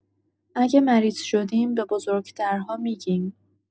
اگه مریض شدیم به بزرگ‌ترها می‌گیم.